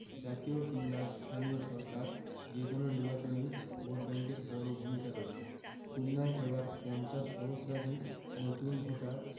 জাতীয় কিংবা স্থানীয় সরকার যেকোনো নির্বাচনেই ভোটব্যাংকের বড় ভূমিকা রয়েছে খুলনায় এবার ৫০ সহস্রাধিক নতুন ভোটার